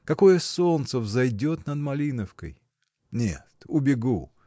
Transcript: Какое солнце взойдет над Малиновкой! Нет, убегу!